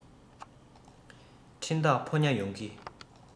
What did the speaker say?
འཕྲིན བདག ཕོ ཉ ཡོང གི